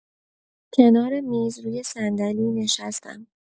کنار میز روی صندلی نشستم.